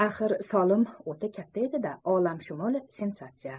axir solim o'ta katta edi da olamshumul sensatsiya